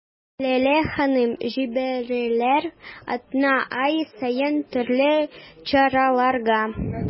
Ләлә ханым: җибәрәләр атна-ай саен төрле чараларга.